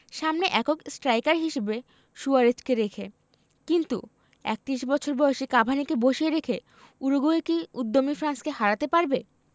সামনে একক স্ট্রাইকার হিসেবে সুয়ারেজকে রেখে কিন্তু ৩১ বছর বয়সী কাভানিকে বসিয়ে রেখে উরুগুয়ে কি উদ্যমী ফ্রান্সকে হারাতে পারবে